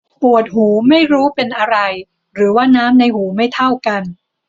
ปวดหูไม่รู้เป็นอะไรหรือว่าน้ำในหูไม่เท่ากัน